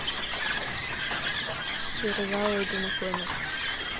гюрза ой да на кой нам